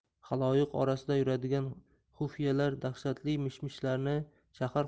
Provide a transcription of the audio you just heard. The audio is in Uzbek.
xaloyiq orasida yuradigan xufiyalar dahshatli mishmishlarni shahar